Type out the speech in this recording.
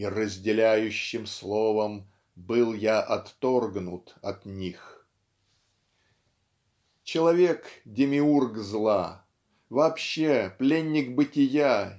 И разделяющим словом Был я отторгнут от них. Человек -- Демиург зла. Вообще пленник бытия